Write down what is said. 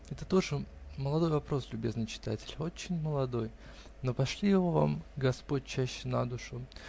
Это тоже молодой вопрос, любезный читатель, очень молодой, но пошли его вам господь чаще на душу!.